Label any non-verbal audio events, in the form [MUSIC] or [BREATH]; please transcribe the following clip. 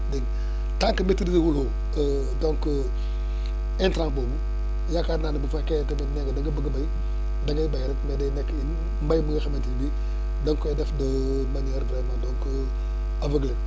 dégg nga [BREATH] tant que maitriser wu loo [HESITATION] donc [BREATH] intrant boobu yaakaar naa ni bu fekke tamit nee nga danga bëgg a béy dangay béy rek mais day nekk une mbéy mu nga xamante ne bii [BREATH] danga koy def de [HESITATION] manière vraiment donc [HESITATION] aveugleux